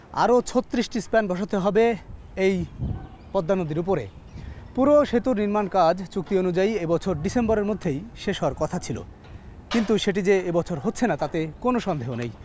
আরো ৩৬ টি স্পেন বসাতে হবে এই পদ্মা নদীর উপরে পুরো সেতু নির্মাণকাজ চুক্তি নিজেই এ বছর ডিসেম্বরের মধ্যেই শেষ হওয়ার কথা ছিল কিন্তু সেটি যে এ বছর হচ্ছে না তাতে কোন সন্দেহ নেই